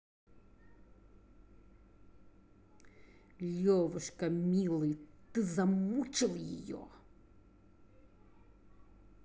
левушка милый ты замучил ее